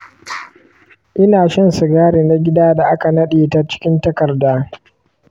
ina shan sigari na gida da aka nade ta cikin takarda.